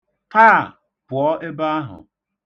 Taa! Pụọ ebe ahụ!